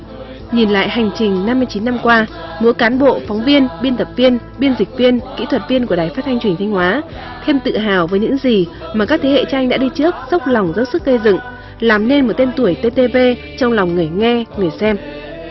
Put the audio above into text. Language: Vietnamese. nhìn lại hành trình năm mươi chín năm qua mỗi cán bộ phóng viên biên tập viên biên dịch viên kỹ thuật viên của đài phát thanh truyền hình thanh hóa thêm tự hào với những gì mà các thế hệ cha anh đã đi trước dốc lòng dốc sức gây dựng làm nên một tên tuổi tê tê vê trong lòng người nghe người xem